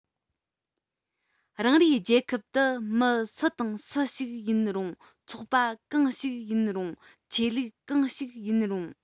རང རེའི རྒྱལ ཁབ ཏུ མི སུ དང སུ ཞིག ཡིན རུང ཚོགས པ གང ཞིག ཡིན རུང ཆོས ལུགས གང ཞིག ཡིན རུང